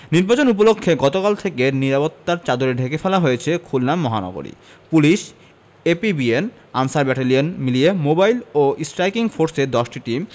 নির্বাচন উপলক্ষে গতকাল থেকে নিরাপত্তার চাদরে ঢেকে ফেলা হয়েছে খুলনা মহানগরী পুলিশ এপিবিএন আনসার ব্যাটালিয়ন মিলিয়ে মোবাইল ও স্ট্রাইকিং ফোর্সের ১০টি টিম